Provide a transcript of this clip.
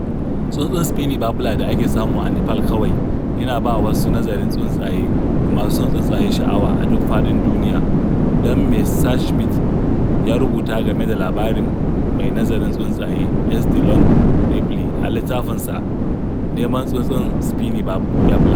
Tsuntsun Spiny Babbler da ake samu a Nepal kawai, yana ba wa masu nazarin tsuntsaye da masu son tsuntsaye sha'awa a duk faɗin duniya. Don Messerschmidt ya rubuta game da labarin mai nazarin tsuntsaye S. Dillon Ripley a littafinsa Neman Tsuntsun Spiny Babbler.